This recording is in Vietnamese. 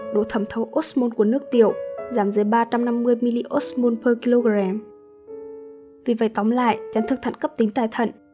độ thẩm thấu osmol của nước tiểu giảm dưới mosm kg vì vậy tóm lại chấn thương thận cấptính tại thận